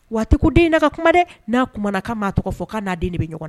Waati ko den in na ka kuma dɛ n'a kuma na kan' tɔgɔ fɔ ko' n'a den de bɛ ɲɔgɔn na